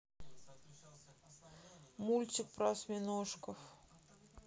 мультик про осьминожков